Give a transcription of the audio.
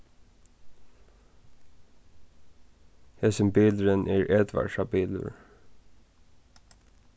hesin bilurin er edvardsa bilur